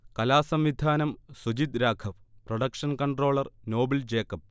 കലാസംവിധാനം Sujith Raghav, production controller Noble Jacob